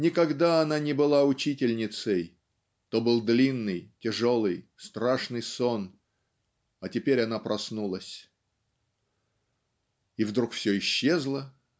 никогда она не была Учительницей то был длинный тяжелый страшный сон а теперь она проснулась. И вдруг все исчезло.